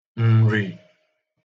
Ǹrì